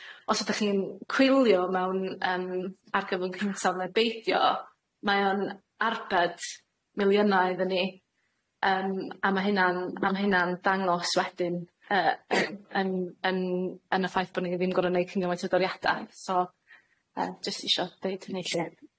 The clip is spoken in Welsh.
Os ydych chi'n cwylio mewn yym argyfwng cyntaf neu beidio mae o'n arbed miliynau iddo ni yym a ma' hynna'n a ma' hynna'n dangos wedyn, yy yn yn yn y ffaith bo' ni ddim gor'o' neud cymrywiaeth o doriada so yym jyst isio deud hynny 'lly.